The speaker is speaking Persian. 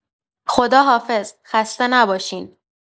خداحافظ، خسته نباشین.